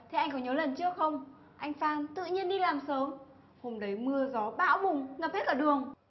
thế anh có nhớ lần trước không anh phan tự nhiên đi làm sớm hôm đấy mưa gió bão bùng ngập hết cả đường